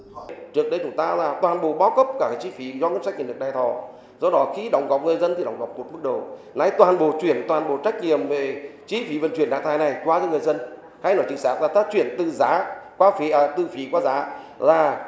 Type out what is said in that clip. trước đây chúng ta là toàn bộ bao cấp cả cái chi phí do ngân sách nhà nước đài thọ do đó khi đóng góp người dân thì đóng góp một mức độ nay toàn bộ chuyển toàn bộ trách nhiệm về chi phí vận chuyển trạng thái này qua cho người dân kết luận chính xác và phát triển từ giá qua phía à từ phí qua giá là